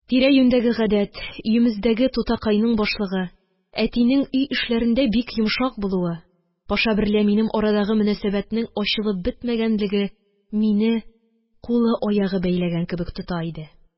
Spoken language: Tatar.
Тирә-юньдәге гадәт, өемездәге тутакайның башлыгы, әтинең өй эшләрендә бик йомшак булуы, Паша берлә минем арадагы мөнәсәбәтнең ачылып бетмәгәнлеге мине кулы-аягы бәйләгән кебек тота иде